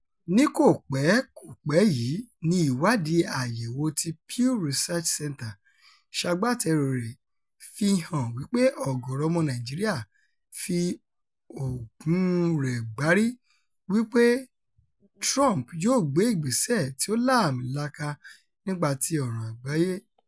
Ní kò pẹ́ kò pẹ́ yìí ni ìwádìí àyẹ̀wò tí Pew Research Centre ṣagbátẹrùu rẹ̀ fi hàn wípé ọ̀gọ̀rọ̀ ọmọ Nàìjíríà "fi Ògún-un rẹ̀ gbárí" wípé Trump "yóò gbé ìgbésẹ̀ tí ó lààmìlaka nípa ti ọ̀ràn àgbáyé".